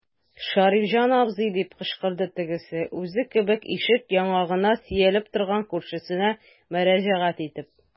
Шәрифҗан абзый, - дип кычкырды тегесе, үзе кебек ишек яңагына сөялеп торган күршесенә мөрәҗәгать итеп.